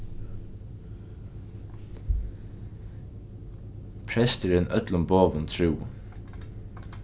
presturin øllum boðum trúði